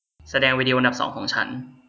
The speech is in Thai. แสดงวิดีโออันดับสองของฉัน